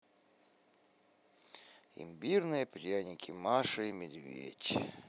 имбирные пряники маша и медведь